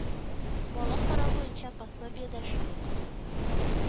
Бала карау буенча пособие дә шул ук